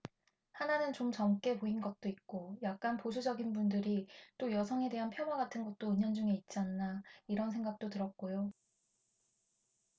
하나는 좀 젊게 보인 것도 있고 약간 보수적인 분들이 또 여성에 대한 폄하 같은 것도 은연중에 있지 않나 이런 생각도 들었고요